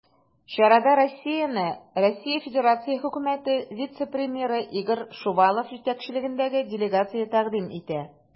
Чарада Россияне РФ Хөкүмәте вице-премьеры Игорь Шувалов җитәкчелегендәге делегация тәкъдим итә.